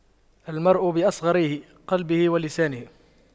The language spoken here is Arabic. المرء بأصغريه قلبه ولسانه